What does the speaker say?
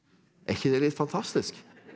er ikke det litt fantastisk?